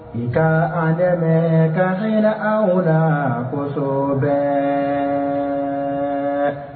Nka a dɛmɛ ka yɛlɛ a kunna naso bɛ